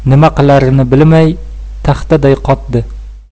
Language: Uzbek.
qilarini bilmay taxtaday kotdi